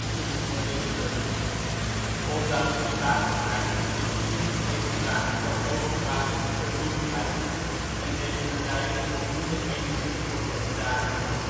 kunnen herinneren. Ondanks de slaperigheid is er in principe geen sprake van overmatige vermoeidheid en heeft een lijder voldoende energie voor zijn taken